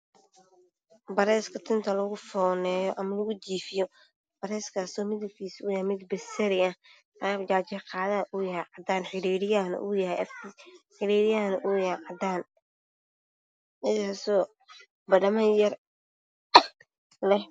Waa bareyska tinta lugu fooneeyo midabkiisu waa basali, xariiriyaha waa cadaan. Oo badhamo yaryar leh.